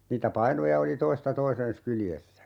niitä painoja oli toista toisensa kyljessä